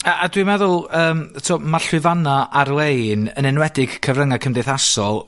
A a dwi meddwl, yym, t'o' ma' llwyfanna' ar-lein, yn enwedig cyfrynge cymdeithasol